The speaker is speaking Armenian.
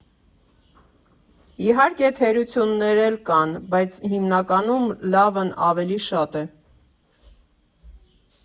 Իհարկե թերություններ էլ կան, բայց հիմնականում լավն ավելի շատ է։